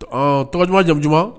Ɔɔ tɔgɔ duman, jamu duman?